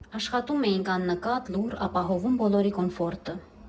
Աշխատում էինք աննկատ, լուռ, ապահովում բոլորի կոմֆորտը։